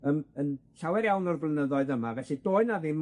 yym yn llawer iawn o'r blynyddoedd yma, felly doedd 'na ddim